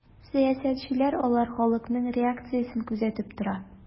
Сәясәтчеләр алар халыкның реакциясен күзәтеп тора.